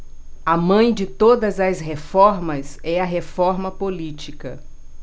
a mãe de todas as reformas é a reforma política